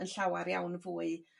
yn llawar iawn fwy